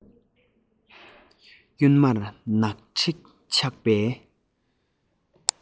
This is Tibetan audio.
གཡོན མར ནག དྲེག ཆགས པའི